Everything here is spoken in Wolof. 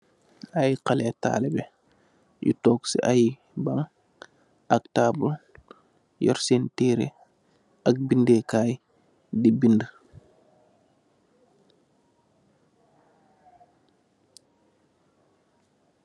Ay xalee taalube, yu took si ay bañg ak taabul, yoor seen tëré ak bindee KAAY di bindë.